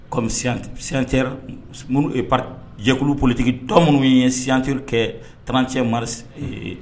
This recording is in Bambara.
Ste minnujɛkuluolitigi dɔ minnu ye st kɛ trancɛ mari